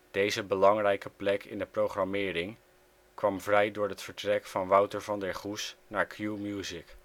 Deze belangrijke plek in de programmering kwam vrij door het vertrek van Wouter van der Goes naar Q-music